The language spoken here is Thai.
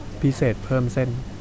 พิเศษเพิ่มเส้น